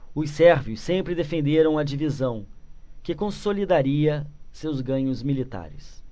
os sérvios sempre defenderam a divisão que consolidaria seus ganhos militares